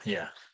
Ie.